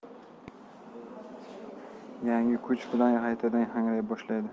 yangi kuch bilan qaytadan hangray boshlaydi